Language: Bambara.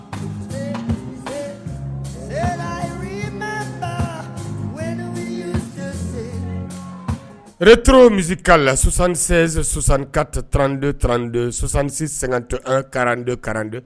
Retow misi'a la susan sensan kato trando trantesanto an karan kran